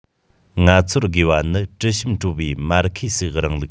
ང ཚོར དགོས པ ནི དྲི ཞིམ བྲོ བའི མར ཁེ སིའི རིང ལུགས